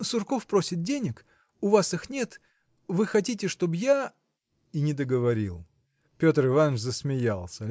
– Сурков просит денег; у вас их нет, вы хотите, чтоб я. – и не договорил. Петр Иваныч засмеялся.